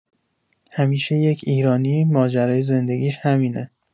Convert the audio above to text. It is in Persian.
همیشه یک ایرانی ماجرای زندگیش همینه